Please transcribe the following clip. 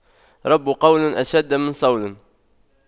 رب قول أشد من صول